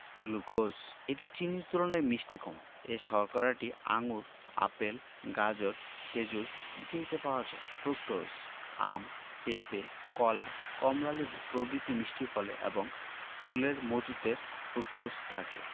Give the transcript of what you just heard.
glucose এটি চিনির তুলনায় মিষ্টি কম এই শর্করাটি আঙুর আপেল গাজর খেজুর ইত্যাদিতে পাওয়া যায় ফ্রুকটোজ আম পেপে কলা কমলালেবু প্রভৃতি মিষ্টি ফলে এবং ফুলের মধুতে ফ্রুকটোজ থাকে